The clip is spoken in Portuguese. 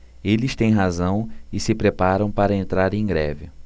eles têm razão e se preparam para entrar em greve